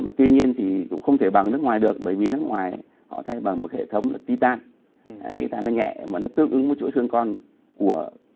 mà tuy nhiên thì cũng không thể bằng nước ngoài được bởi vì nước ngoài họ thay bằng một hệ thống là ti tan ti tan nó nhẹ mà nó tương ứng với chuỗi xương con của